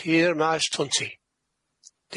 Tir maes Twnti.